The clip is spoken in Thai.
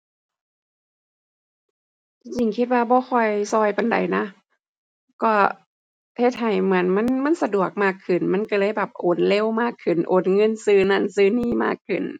ที่จริงคิดว่าบ่ค่อยช่วยปานใดนะ ก็เฮ็ดให้เหมือนมัน มันสะดวกมากขึ้น มันช่วยเลยแบบ โอนเร็วมากขึ้น โอนเงินซื้อนั้นซื้อนี้มากขึ้น